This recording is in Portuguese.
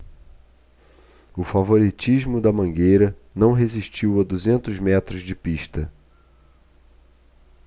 o favoritismo da mangueira não resistiu a duzentos metros de pista